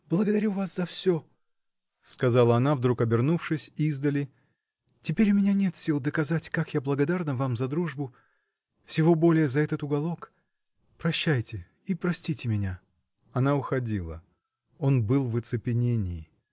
— Благодарю вас за всё, — сказала она, вдруг обернувшись, издали, — теперь у меня нет сил доказать, как я благодарна вам за дружбу. всего более за этот уголок. Прощайте и простите меня! Она уходила. Он был в оцепенении.